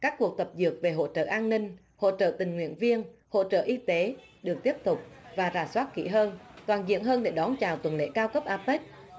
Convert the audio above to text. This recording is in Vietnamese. các cuộc tập dượt về hỗ trợ an ninh hỗ trợ tình nguyện viên hỗ trợ y tế được tiếp tục và rà soát kỹ hơn toàn diện hơn để đón chào tuần lễ cao cấp a bếch